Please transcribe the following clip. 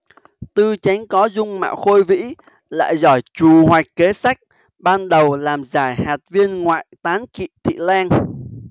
tư chánh có dung mạo khôi vĩ lại giỏi trù hoạch kế sách ban đầu làm giải hạt viên ngoại tán kỵ thị lang